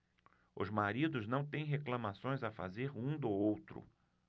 os maridos não têm reclamações a fazer um do outro